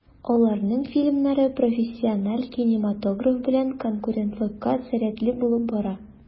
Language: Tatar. Аларның фильмнары профессиональ кинематограф белән конкурентлыкка сәләтле булып бара.